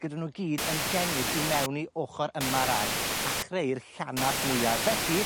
Gyda n'w gyd yn jengid i mewn i ochor yma'r ardd a chreu'r llanast mwya fechy